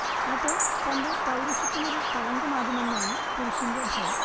അത് തന്റെ പൗരുഷത്തിനൊരു കളങ്കമാകുമെന്നാണ് പുരുഷന്റെ ഭയം